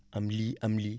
am lii am lii